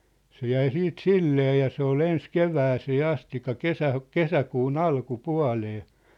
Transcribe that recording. se jäi sitten silleen ja se oli ensin kevääseen asti - kesäkuun alkupuoleen